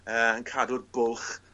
yy yn cadw'r bwlch